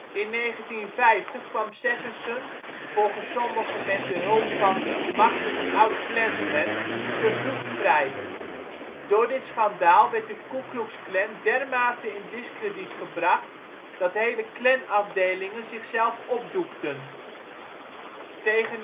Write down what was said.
In 1950 kwam Stephenson - volgens sommigen met de hulp van machtige oud-Klansmen - vervroegd vrij. Door dit schandaal werd de Ku Klux Klan dermate in diskrediet gebracht dat hele Klanafdelingen zichzelf opdoekten. Tegen